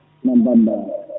no mbaɗɗaa